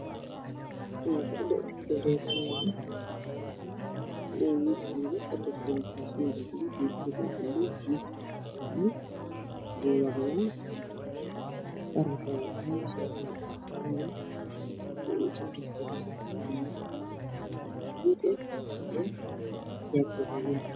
Waxaa ii muuqda afar gabdhood laba waa dhakhtar labada kalena waa dad dy caafimaad isbitaalka u soo aaday